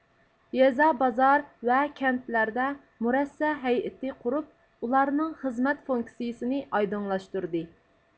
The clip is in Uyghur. يېزا بازار ۋە كەنتلەردە مۇرەسسە ھەيئىتى قۇرۇپ ئۇلارنىڭ خىزمەت فۇنكسىيىسىنى ئايدىڭلاشتۇردى